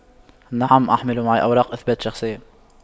نعم أحمل معي أوراق اثبات شخصية